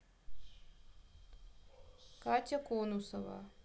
катя конусова